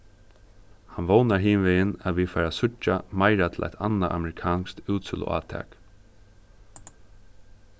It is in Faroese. hann vónar hinvegin at vit fara at síggja meira til eitt annað amerikanskt útsøluátak